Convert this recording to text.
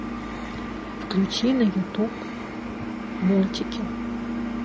включи на ютуб мультики